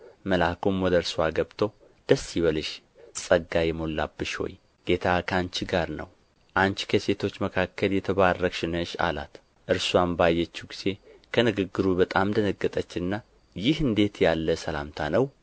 መልአኩም ወደ እርስዋ ገብቶ ደስ ይበልሽ ጸጋ የሞላብሽ ሆይ ጌታ ከአንቺ ጋር ነው አንቺ ከሴቶች መካከል የተባረክሽ ነሽ አላት እርስዋም ባየችው ጊዜ ከንግግሩ በጣም ደነገጠችና ይህ እንዴት ያለ ሰላምታ ነው